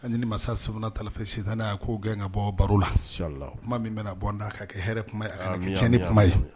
A ni masa sɛbɛn tafɛ sisan n' y' koo gɛn ka bɔ baro la kuma min bɛ bɔ d' ka kɛ hɛrɛ kuma yec ni kuma ye